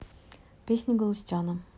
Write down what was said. песни галустяна